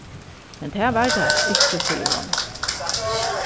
men tað var tað ikki sigur hon